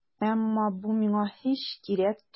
Әмма бу миңа һич кирәк түгел.